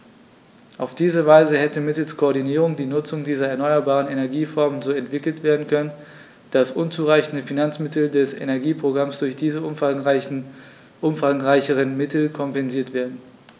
Auf diese Weise hätte mittels Koordinierung die Nutzung dieser erneuerbaren Energieformen so entwickelt werden können, dass unzureichende Finanzmittel des Energieprogramms durch diese umfangreicheren Mittel kompensiert werden.